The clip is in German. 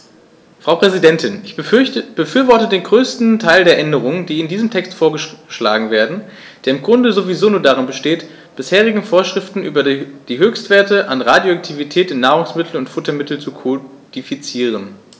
Frau Präsidentin, ich befürworte den größten Teil der Änderungen, die in diesem Text vorgeschlagen werden, der im Grunde sowieso nur darin besteht, bisherige Vorschriften über die Höchstwerte an Radioaktivität in Nahrungsmitteln und Futtermitteln zu kodifizieren.